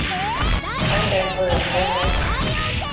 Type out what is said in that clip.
ein dagin hoyrir hann tónleik